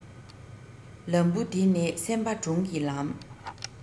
ལམ བུ འདི ནི སེམས པ དྲུང གི ལམ